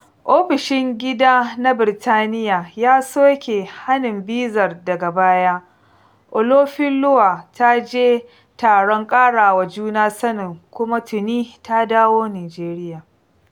Ofishin Gida na Birtaniya ya soke hanin bizar daga baya. Olofinlua ta je taron ƙarawa juna sanin kuma tuni ta dawo Nijeriya.